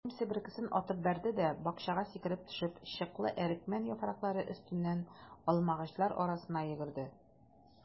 Хәлим, себеркесен атып бәрде дә, бакчага сикереп төшеп, чыклы әрекмән яфраклары өстеннән алмагачлар арасына йөгерде.